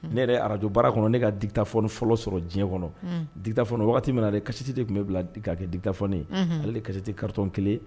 Ne yɛrɛ arajo baara kɔnɔ ne ka dita fɔ fɔlɔ sɔrɔ diɲɛ kɔnɔta min kasisite de tun bɛ bila gari dita ale kasisite kari kelen